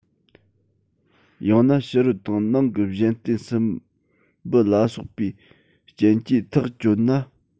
ཡང ན ཕྱི རོལ དང ནང གི གཞན རྟེན སྲིན འབུ ལ སོགས པའི རྐྱེན གྱིས ཐག གཅོད ན